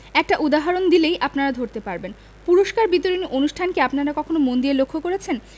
একটা উদাহরণ দিসেই আপনারা ধরতে পারবেন পুরস্কার বিতরণী অনুষ্ঠান কি আপনারা কখনো মন দিয়ে লক্ষ্য করেছেন